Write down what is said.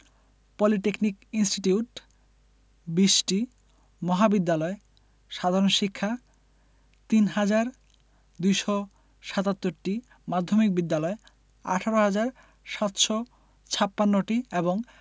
polytechnic institute ২০টি মহাবিদ্যালয় সাধারণ শিক্ষা ৩হাজার ২৭৭টি মাধ্যমিক বিদ্যালয় ১৮হাজার ৭৫৬টি এবং